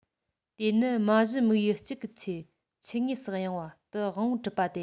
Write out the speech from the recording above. དེ ནི མ གཞི དམིགས ཡུལ གཅིག གི ཆེད ཆུ ངོས སུ གཡེང བ དུ དབང པོར གྲུབ པ དེ